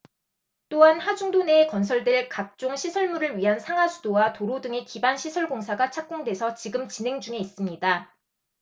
또한 하중도 내에 건설될 각종 시설물을 위한 상하수도와 도로 등의 기반시설 공사가 착공돼서 지금 진행 중에 있습니다